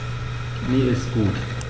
Mir ist gut.